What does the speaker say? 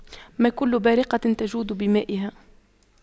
ما كل بارقة تجود بمائها